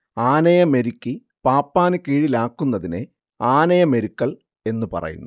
ആനയെ മെരുക്കി പാപ്പാന് കീഴിലാക്കുന്നതിനെ ആനയെ മെരുക്കൽ എന്നു പറയുന്നു